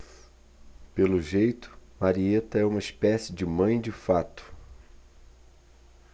pelo jeito marieta é uma espécie de mãe de fato